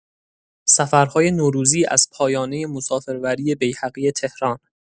سفرهای نوروزی از پایانه مسافربری بیهقی تهران